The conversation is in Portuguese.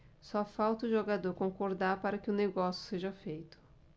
só falta o jogador concordar para que o negócio seja feito